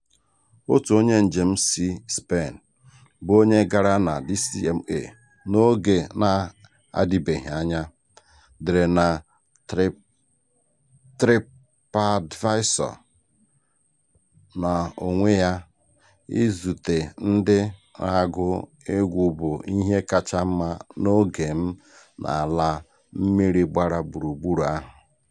Otu onye njem si Spain, bụ onye gara na DCMA n'oge na-adịbeghị anya, dere na TripAdvisor: "N'onwe ya, izute ndị na-agụ egwú bụ ihe kacha mma n'oge m n'ala mmiri gbara gburugburu" ahụ.